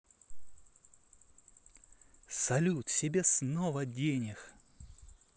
салют себе снова денег